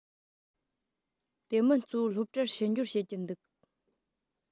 དེ མིན གཙོ བོ སློབ གྲྭར ཕྱི འབྱོར བྱེད ཀྱིན འདུག